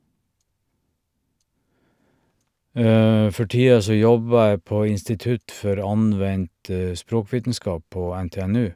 For tida så jobber jeg på institutt for anvendt språkvitenskap på NTNU.